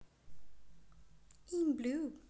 i'm blue